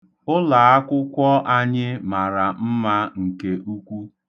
Ụlaakwụkwọ anyị mara mma nke ukwu.